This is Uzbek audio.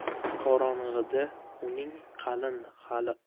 qorong'ida uning qalin hali